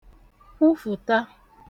kwufụ̀ta